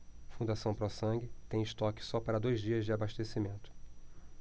fundação pró sangue tem estoque só para dois dias de abastecimento